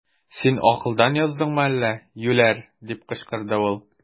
Син акылдан яздыңмы әллә, юләр! - дип кычкырды ул.